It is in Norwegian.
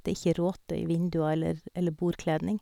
Det er ikke råte i vinduer eller eller bordkledning.